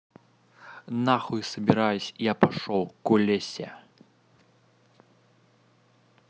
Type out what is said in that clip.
нахуй собираюсь я пошел колесе